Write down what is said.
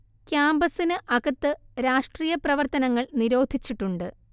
ക്യാമ്പസിന് അകത്ത് രാഷ്ട്രീയ പ്രവർത്തനങ്ങൾ നിരോധിച്ചിട്ടുണ്ട്